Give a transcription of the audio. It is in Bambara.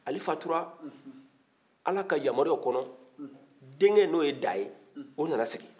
ale faatura ala ka yamaruyaw kɔnɔ denkɛ n'o da ye o nana sigi